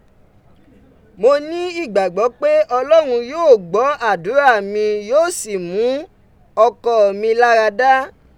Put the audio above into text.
Mo ni igbagbọ pe Ọlọrun yoo gbọ adura mi, yoo si mu ọkọ mi lara da.